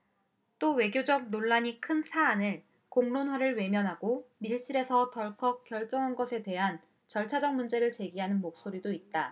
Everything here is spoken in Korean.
또 외교적 논란이 큰 사안을 공론화를 외면하고 밀실에서 덜컥 결정한 것에 대한 절차적 문제를 제기하는 목소리도 있다